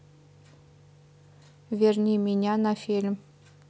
верни меня на фильм